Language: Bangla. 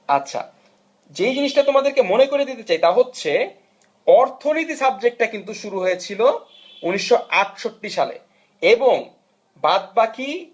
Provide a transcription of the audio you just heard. আচ্ছা যে জিনিসটা তোমাদেরকে মনে করিয়ে দিতে চাই তা হচ্ছে অর্থনীতি সাবজেক্ট টা কিন্তু শুরু হয়েছিল 1968 সালে এবং বাদ বাকি